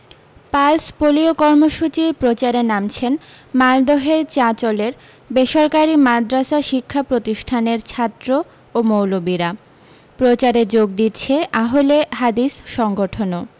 pulse polio কর্মসূচির প্রচারে নামছেন মালদহের চাঁচলের বেসরকারি মাদ্রাসা শিক্ষা প্রতিষ্ঠানের ছাত্র ও মৌলবিরা প্রচারে যোগ দিচ্ছে আহলে হাদিস সংগঠনও